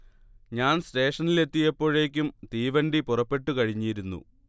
ഞാൻ സ്റ്റേഷനിലെത്തിയപ്പോഴേക്കും തീവണ്ടി പുറപ്പെട്ടു കഴിഞ്ഞിരുന്നു